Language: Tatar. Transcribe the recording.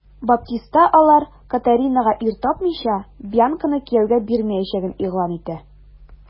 Баптиста аларга, Катаринага ир тапмыйча, Бьянканы кияүгә бирмәячәген игълан итә.